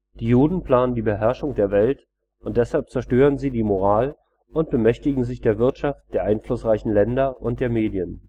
Juden planen die Beherrschung der Welt und deshalb zerstören sie die Moral und bemächtigen sich der Wirtschaft der einflussreichen Länder und der Medien